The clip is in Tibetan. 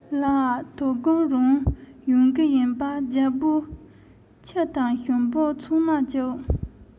ལྰ དོ དགོང རང ཡོང གི ཡིན པས རྒྱལ པོས ཁྱི དང ཞུམ བུ ཚང མ བཅུག